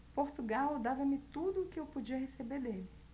portugal dava-me tudo o que eu podia receber dele